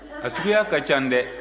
a suguya ka ca dɛ